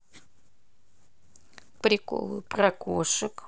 приколы про кошек